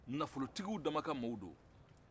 nanfolotigi damaw ka maaw don